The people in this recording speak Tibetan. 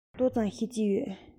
ཏོག ཙམ ཤེས ཀྱི ཡོད